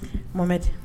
Mama ma di